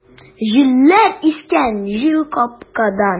Җилләр искән җилкапкадан!